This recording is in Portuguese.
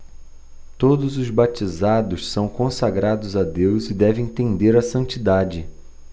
todos os batizados são consagrados a deus e devem tender à santidade